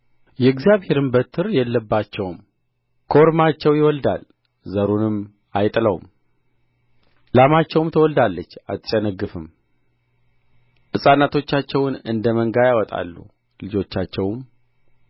የእግዚአብሔርም በትር የለባቸውም ኮርማቸው ይወልዳል ዘሩንም አይጥለውም ላማቸውም ትወልዳለች አትጨነግፍም ሕፃናቶቻቸውን እንደ መንጋ ያወጣሉ ልጆቻቸውም